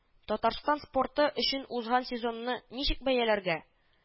Татарстан спорты өчен узган сезонны ничек бәяләргә